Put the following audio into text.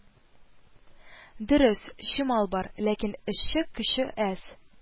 Дөрес, чимал бар, ләкин эшче көче әз